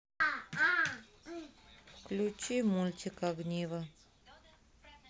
включи мультфильм огниво